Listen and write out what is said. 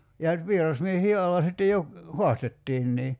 ja vierasmiehien alla sitten jo haastettiinkin